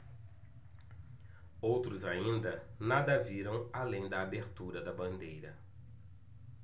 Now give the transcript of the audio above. outros ainda nada viram além da abertura da bandeira